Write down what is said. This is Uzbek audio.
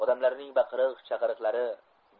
odamlarning baqiriq chaqiriklari